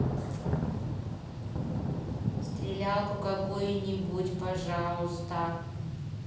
стрелялку какую нибудь пожалуйста